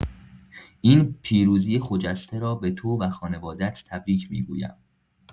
این پیروزی خجسته را به تو و خانواده‌ات تبریک می‌گویم.